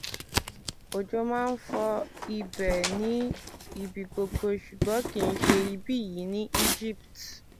@gr33ndatq : Òjò máa ń fọ ibẹ̀ ní ibi gbogbo ṣùgbọ́n kìí ṣe ibí yìí ní Egypt.